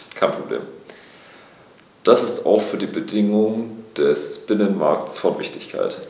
Das ist auch für die Bedingungen des Binnenmarktes von Wichtigkeit.